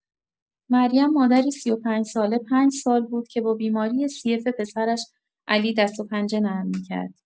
مریم، مادری ۳۵ ساله، پنج سال بود که با بیماری سی‌اف پسرش علی دست و پنجه نرم می‌کرد.